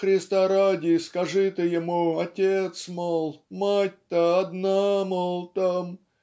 Христа ради, скажи ты ему: отец, мол! Мать-то одна, мол, там.